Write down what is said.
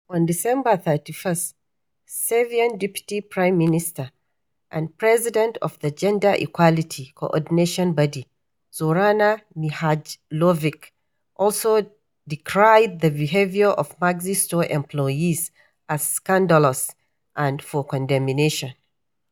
On December 31, Serbian Deputy Prime Minister and President of the Gender Equality Coordination Body, Zorana Mihajlović, also decried the behavior of Maxi store employees as “scandalous and for condemnation.